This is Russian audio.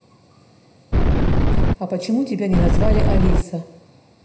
а почему тебя не назвали алиса